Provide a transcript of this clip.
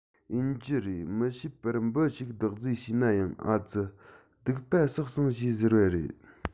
ཡིན གྱི རེད མ ཤེས པར འབུ ཞིག རྡོག རྫིས བྱས ན ཡང ཨ ཙི སྡིག པ བསགས སོང ཞེས ཟེར བ རེད